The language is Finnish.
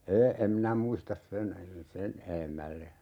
ei en minä muista sen sen edemmälle